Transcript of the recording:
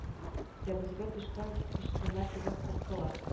Тәбезгә төшкән сычканнар кебек каптылар